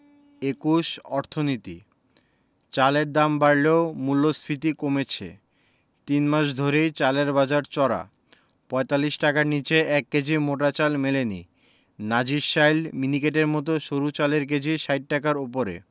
২১ অর্থনীতি চালের দাম বাড়লেও মূল্যস্ফীতি কমেছে তিন মাস ধরেই চালের বাজার চড়া ৪৫ টাকার নিচে ১ কেজি মোটা চাল মেলেনি নাজিরশাইল মিনিকেটের মতো সরু চালের কেজি ৬০ টাকার ওপরে